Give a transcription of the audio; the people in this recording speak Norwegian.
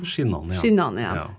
skinnene igjen ja.